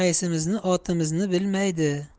qaysimizni otimizni bilmaydi